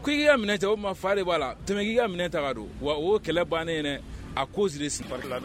Ko k'i ka minɛ cɛ o tuma faa de b'a la tɛmɛ k'i ka minɛ ta don wa o kɛlɛ bannen dɛ akoze de